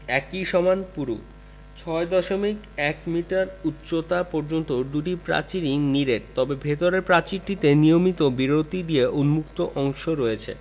একই সমান পুরু ৬দশমিক ১ মিটার উচ্চতা পর্যন্ত দুটি প্রাচীরই নিরেট তবে ভেতরের প্রাচীরটিতে নিয়মিত বিরতি দিয়ে উন্মুক্ত অংশ রয়েছে